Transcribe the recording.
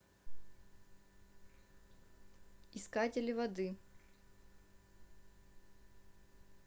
искатели воды